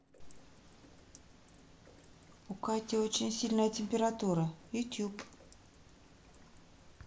у кати очень сильная температура youtube